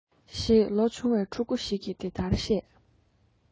ཞེས ལོ ཆུང བའི ཕྲུ གུ ཞིག གི འདི ལྟར གཤས